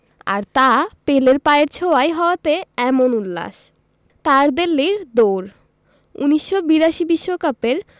আর তা পেলের পায়ের ছোঁয়ায় হওয়াতেই এমন উল্লাস তারদেল্লির দৌড় ১৯৮২ বিশ্বকাপের